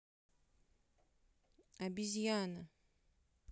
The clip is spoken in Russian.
а как то выйти отсюда сначала да